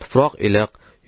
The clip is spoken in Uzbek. tuproq iliq